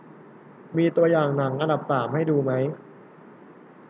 มีตัวอย่างหนังอันดับสามให้ดูไหม